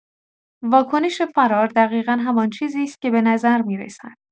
واکنش فرار دقیقا همان چیزی است که به نظر می‌رسد.